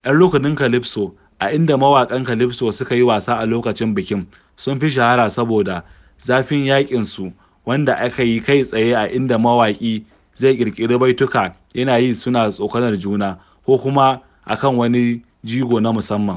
Yan rukunin Calypso, a inda mawaƙan Calypso suka yi wasa a lokacin bikin, sun fi shahara saboda "zafin yaƙin" su, wanda ake yi kai tsaye a inda mawaƙi zai ƙirƙiri baituka yana yi suna tsokanar juna, ko kuma a kan wani jigo na musamman.